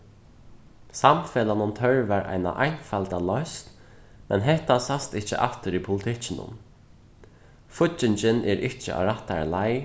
samfelagnum tørvar eina einfalda loysn men hetta sæst ikki aftur í politikkinum fíggingin er ikki á rættari leið